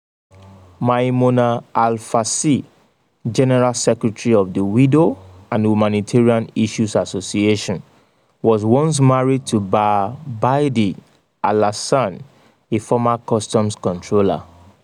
Maimouna Alpha Sy, general secretary of the Widow and Humanitarian Issues Association, was once married to Ba Baïdy Alassane, a former customs controller.